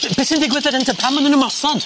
Be sy' 'di digwydd fan 'yn te? Pam ma' n'w'n ymosod?